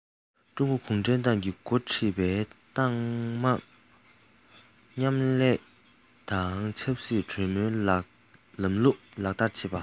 ཀྲུང གོ གུང ཁྲན ཏང གིས འགོ ཁྲིད པའི ཏང མང མཉམ ལས དང ཆབ སྲིད གྲོས མོལ ལམ ལུགས ལག ལེན བསྟར བ